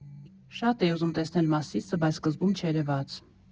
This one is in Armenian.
Շատ էի ուզում տեսնել Մասիսը, բայց սկզբում չերևաց։